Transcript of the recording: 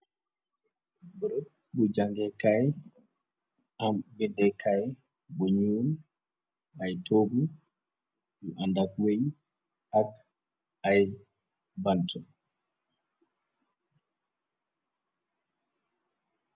Bëerëb bu jangekaay am biddekaay bu nyuul ay toogu yu andak weñ ak ay bante.